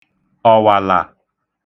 ọ̀wàlà